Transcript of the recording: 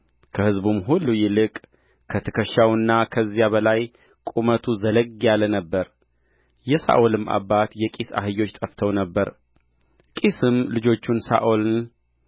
ከሕዝቡም ሁሉ ይልቅ ከትከሻውና ከዚያም በላይ ቁመቱ ዘለግ ያለ ነበረ የሳኦልም አባት የቂስ አህዮች ጠፍተው ነበር ቂስም ልጁን ሳኦልን